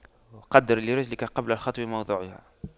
قَدِّرْ لِرِجْلِكَ قبل الخطو موضعها